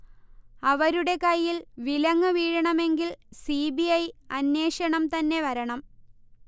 അവരുടെ കയ്യിൽ വിലങ്ങ് വീഴണമെങ്കിൽ സി. ബി. ഐ. അന്വേഷണം തന്നെ വരണം